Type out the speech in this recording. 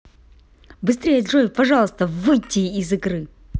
быстрее джой пожалуйста выйти из игры